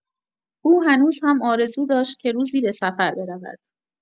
او هنوز هم آرزو داشت که روزی به سفر برود.